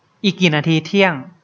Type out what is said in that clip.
อีกกี่นาทีเที่ยง